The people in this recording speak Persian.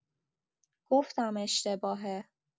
گفتم اشتباهه.